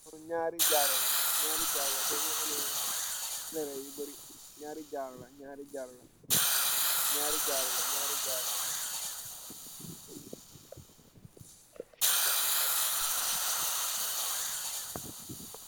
Ñaari jaaro la, nãari jaaro la tè mungi ameh bereh yu barri, ñaari jaaro la, ñaari jaaro.